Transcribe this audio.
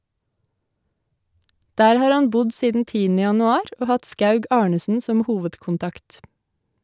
Der har han bodd siden 10. januar og hatt Skaug Arnesen som hovedkontakt.